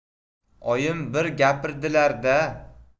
oyim bir gapirdilar da